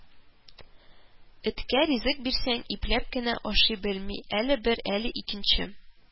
Эткә ризык бирсәң ипләп кенә ашый белми: әле бер, әле икенче